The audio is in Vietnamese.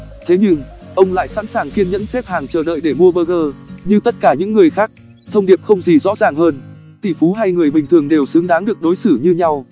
thế nhưng ông lại sẵn sàng kiên nhẫn xếp hàng chờ đợi để mua burger như tất cả những người khác thông điệp không gì rõ ràng hơn tỷ phú hay người bình thường đều xứng đáng được đối xử như nhau